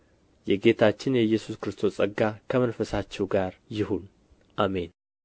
የጌታችን የኢሱስ ክርስቶስ ጸጋ ከመንፈሳችሁ ጋር ይሁን አሜን